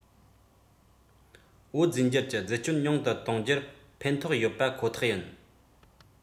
འོད རྫས འགྱུར གྱི བརྫད སྐྱོན ཉུང དུ གཏོང རྒྱུར ཕན ཐོགས ཡོད པ ཁོ ཐག ཡིན